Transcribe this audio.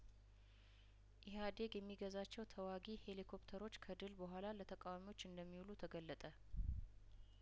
ኢህአዴግ የሚገዛቸው ተዋጊ ሄሊኮኘተሮች ከድል በኋላ ለተቃዋሚዎች እንደሚውሉ ተገለጠ